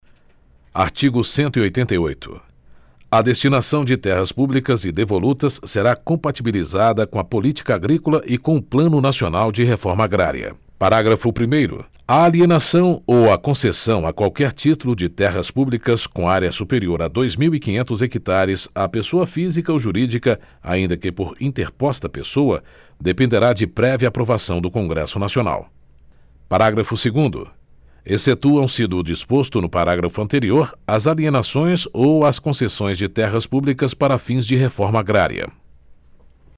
artigo cento e oitenta e oito a destinação de terras públicas e devolutas será compatibilizada com a política agrícola e com o plano nacional de reforma agrária parágrafo primeiro a alienação ou a concessão a qualquer título de terras públicas com área superior a dois mil e quinhentos hectares a pessoa física ou jurídica ainda que por interposta pessoa dependerá de prévia aprovação do congresso nacional parágrafo segundo excetuam se do disposto no parágrafo anterior as alienações ou as concessões de terras públicas para fins de reforma agrária